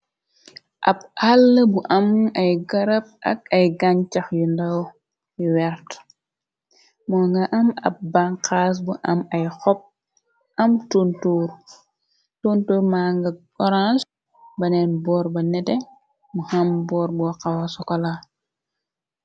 Ab àll bu am ay gërab ak ay gañcax yu ndaw yu wert, moo nga am ab banxas bu am ay xob am tontor, tuntor manga oraans, baneen boor ba nete, mu am boor bo xawa sokola.